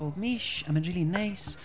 bob mis, a mae'n rili neis.